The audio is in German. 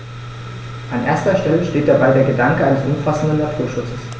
An erster Stelle steht dabei der Gedanke eines umfassenden Naturschutzes.